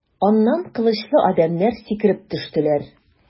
Аннан кылычлы адәмнәр сикереп төштеләр.